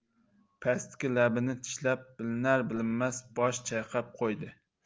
pastki labini tishlab bilinar bilinmas bosh chayqab qo'ydi